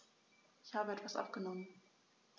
Ich habe etwas abgenommen.